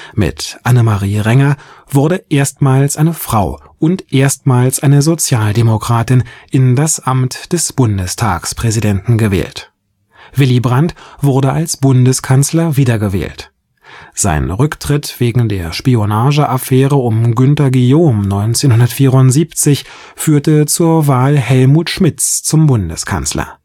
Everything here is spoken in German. Mit Annemarie Renger wurde erstmals eine Frau und erstmals eine Sozialdemokratin in das Amt des Bundestagspräsidenten gewählt. Willy Brandt wurde als Bundeskanzler wiedergewählt. Sein Rücktritt wegen der Spionage-Affäre um Günter Guillaume 1974 führte zur Wahl Helmut Schmidts zum Bundeskanzler